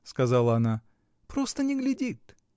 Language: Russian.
— сказала она, — просто не глядит.